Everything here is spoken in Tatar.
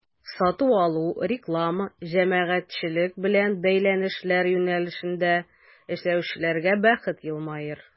Сату-алу, реклама, җәмәгатьчелек белән бәйләнешләр юнәлешендә эшләүчеләргә бәхет елмаер.